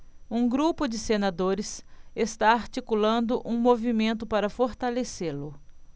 um grupo de senadores está articulando um movimento para fortalecê-lo